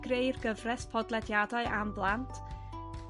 greu'r gyfres podlediadau am blant